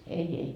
ei ei